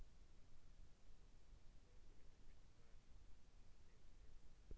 я этого не понимаю потому что мне семь лет